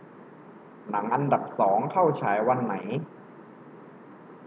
หนังอันดับสองเข้าฉายวันไหน